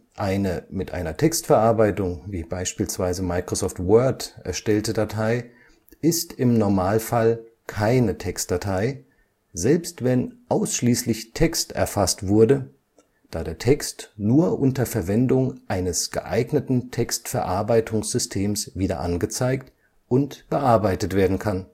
Eine mit einer Textverarbeitung (wie beispielsweise Microsoft Word) erstellte Datei ist im Normalfall keine Textdatei, selbst wenn ausschließlich Text erfasst wurde, da der Text nur unter Verwendung eines geeigneten Textverarbeitungssystems wieder angezeigt und bearbeitet werden kann